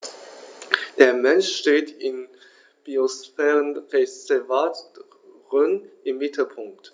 Der Mensch steht im Biosphärenreservat Rhön im Mittelpunkt.